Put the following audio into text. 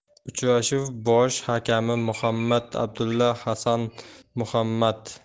uchrashuv bosh hakami muhammad abdulla hassan muhammad